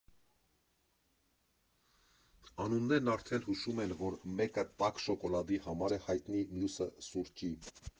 Անուններն արդեն հուշում են, որ մեկը տաք շոկոլադի համար է հայտնի, մյուսը՝ սուրճի։